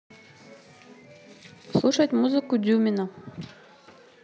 слушать музыку дюмина